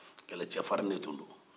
kɛlɛcɛfarin de tun do